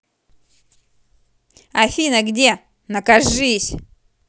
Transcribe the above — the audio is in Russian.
афина где накажись